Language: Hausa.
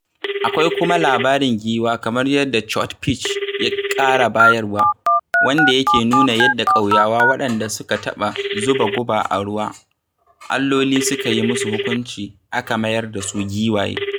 Akwai kuma labarin giwa kamar yadda Chhot Pich ya ƙara bayarwa wanda yake nuna yadda ƙauyawa waɗanda suka taɓa zuba guba a ruwa alloli suka yi musu hukunci aka mayar da su giwaye.